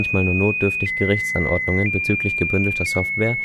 nur notdürftig Gerichtsanordnungen bezüglich gebündelter Software